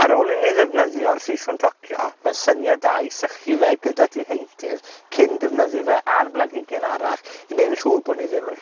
Ar ôl i ni ddefnyddio'r siswrn tocio, mae'n syniad da i sychu fe gyda di-heintydd cyn defnyddio fe a'r blanhigyn arall, i neud yn siŵr bo' ni ddim yn